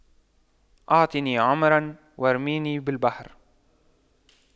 اعطني عمرا وارميني بالبحر